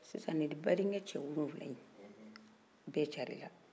sisan badenkɛ cɛwolonwula in bɛɛ carila